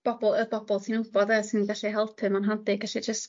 bobol y bobol ti'n wbod fel sy'n gallu helpu ma'n handi gallu jyst